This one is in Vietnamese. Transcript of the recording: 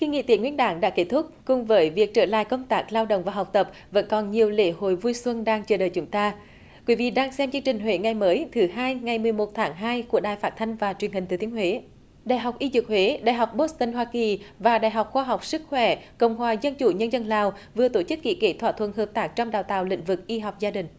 kỳ nghỉ tết nguyên đán đã kết thúc cùng với việc trở lại công tác lao động và học tập vẫn còn nhiều lễ hội vui xuân đang chờ đợi chúng ta quý vị đang xem chương trình huế ngày mới thứ hai ngày mười một tháng hai của đài phát thanh và truyền hình thừa thiên huế đại học y dược huế đại học bốt từn hoa kỳ và đại học khoa học sức khỏe cộng hòa dân chủ nhân dân lào vừa tổ chức ký kết thỏa thuận hợp tác trong đào tạo lĩnh vực y học gia đình